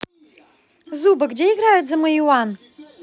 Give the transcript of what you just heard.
зуба где играют за мои one